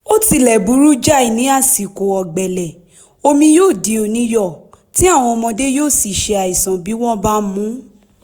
Ó tilẹ̀ burú jáì ní àsìkò ọ̀gbẹlẹ̀; omi yóò di oníyọ̀, tí àwọn ọmọdé yóò sì ṣe àìsàn bí wọ́n bá mu ú."